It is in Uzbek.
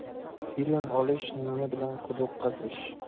ilm olish nina bilan quduq qazish